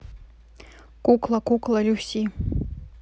кукла кукла люси